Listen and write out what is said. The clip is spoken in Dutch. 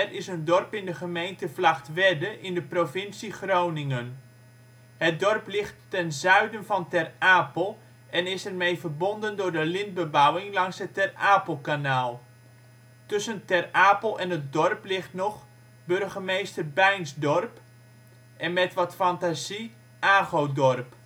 is een dorp in de gemeente Vlagtwedde in de provincie Groningen. Het dorp ligt ten zuiden van Ter Apel en is ermee verbonden door de lintbebouwing langs het Ter Apelkanaal. Tussen Ter Apel en het dorp ligt nog: Burgemeester Beinsdorp en met wat fantasie Agodorp